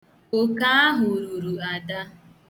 Oke ahụ ruru ada.